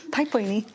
Paid poeni.